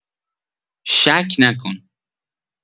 شک نکن